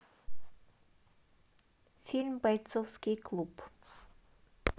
фильм бойцовский клуб